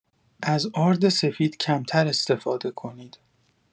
از آرد سفید کمتر استفاده کنید.